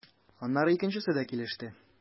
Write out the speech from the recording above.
Аннары икенчесе дә килеште.